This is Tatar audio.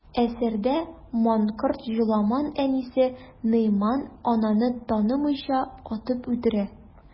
Әсәрдә манкорт Җоламан әнисе Найман ананы танымыйча, атып үтерә.